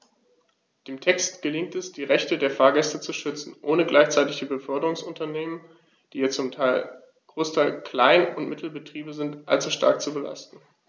Dem Text gelingt es, die Rechte der Fahrgäste zu schützen, ohne gleichzeitig die Beförderungsunternehmen - die ja zum Großteil Klein- und Mittelbetriebe sind - allzu stark zu belasten.